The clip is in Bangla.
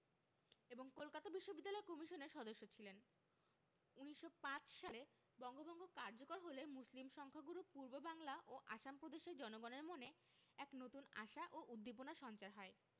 এবং কলকাতা বিশ্ববিদ্যালয় কমিশনের সদস্য ছিলেন ১৯০৫ সালে বঙ্গভঙ্গ কার্যকর হলে মুসলিম সংখ্যাগুরু পূর্ববাংলা ও আসাম প্রদেশের জনগণের মনে এক নতুন আশা ও উদ্দীপনার সঞ্চার হয়